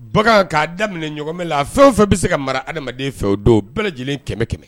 Bagan k'a daminɛ ɲɔgɔnmɛ la fɛn o fɛn bɛ se ka mara adamadama fɛ o don bɛɛ lajɛlen kɛmɛ kɛmɛ